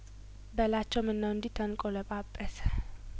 በላቸውም ነው እንዲህ ተንቆ ለጳጰሰ